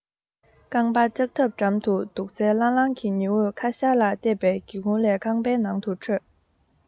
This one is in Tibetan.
རྐང པ ལྕགས ཐབ འགྲམ དུ འདུག གསལ ལྷང ལྷང གི ཉི འོད ཁ ཤར ལ གཏད པའི སྒེའུ ཁུང ལས ཁང པའི ནང དུ འཕྲོས